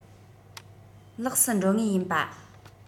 ལེགས སུ འགྲོ ངེས ཡིན པ